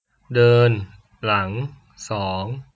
เดินหลังสอง